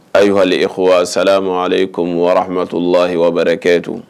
Ayiwah sa ma aleale kohammato lahi wɛrɛke tun